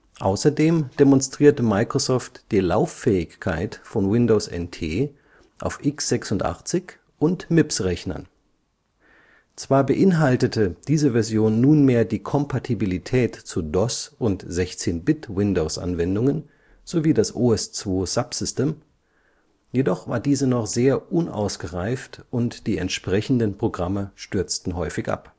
Außerdem demonstrierte Microsoft die Lauffähigkeit von Windows NT auf x86 - und MIPS-Rechnern. Zwar beinhaltete diese Version nunmehr die Kompatibilität zu DOS - und 16-Bit-Windowsanwendungen sowie das OS/2-Subsystem, jedoch war diese noch sehr unausgereift und die entsprechenden Programme stürzten häufig ab